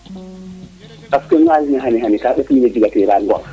parce ñaal ne xane xane xane ka win we jaga tera ŋor